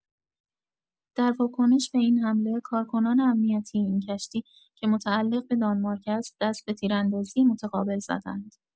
در واکنش به این حمله کارکنان امنیتی این کشتی که متعلق به دانمارک است دست به تیراندازی متقابل زدند.